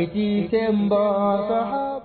ikisebɔ